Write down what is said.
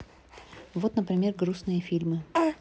вот например грустные фильмы